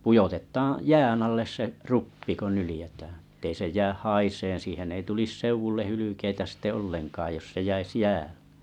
pudotetaan jään alle se kruppi kun nyljetään että ei se jää haisemaan siihen ei tulisi seudulle hylkeitä sitten ollenkaan jos se jäisi jäälle